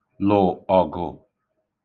lụ̀ ọ̀gụ̀